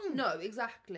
No, exactly.